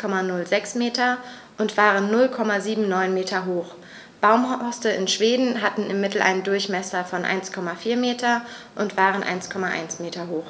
1,06 m und waren 0,79 m hoch, Baumhorste in Schweden hatten im Mittel einen Durchmesser von 1,4 m und waren 1,1 m hoch.